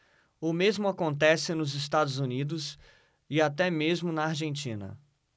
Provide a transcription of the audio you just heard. o mesmo acontece nos estados unidos e até mesmo na argentina